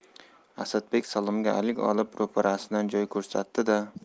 asadbek salomga alik olib ro'parasidan joy ko'rsatdi da